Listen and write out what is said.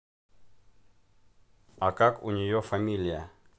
а как у нее фамилия